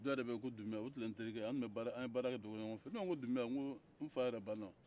dɔ tun bɛ yen ko dunbuya n terikɛ ye an tun bɛ baara kɛ ɲɔgɔn fɛ ne ko dunbuya n fa yɛrɛ banna